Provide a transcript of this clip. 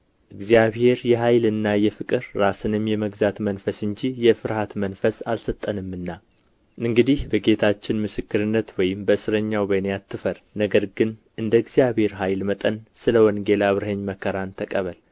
እግዚአብሔር የኃይልና የፍቅር ራስንም የመግዛት መንፈስ እንጂ የፍርሃት መንፈስ አልሰጠንምና እንግዲህ በጌታችን ምስክርነት ወይም በእስረኛው በእኔ አትፈር ነገር ግን እንደ እግዚአብሔር ኃይል መጠን ስለ ወንጌል አብረኸኝ መከራን ተቀበል